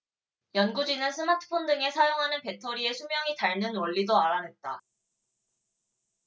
연구진은 스마트폰 등에 사용하는 배터리의 수명이 닳는 원리도 알아냈다